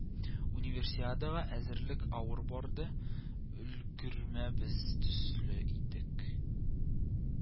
Универсиадага әзерлек авыр барды, өлгермәбез төсле идек